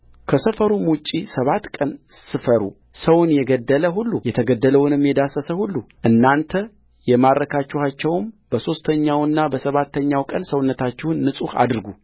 ከሰፈሩም ውጭ ሰባት ቀን ስፈሩ ሰውን የገደለ ሁሉ የተገደለውንም የዳሰሰ ሁሉ እናንተ የማረካችኋቸውም በሦስተኛውና በሰባተኛው ቀን ሰውነታችሁን ንጹሕ አድርጉ